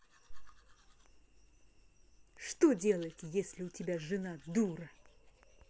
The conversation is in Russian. что делать если у тебя жена дура